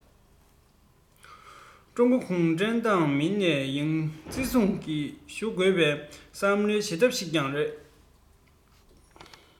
ཀྲུང གོའི གུང ཁྲན ཏང མིས ནམ ཡང བརྩི སྲུང ཞུ དགོས པའི བསམ བློའི བྱེད ཐབས ཤིག ཀྱང རེད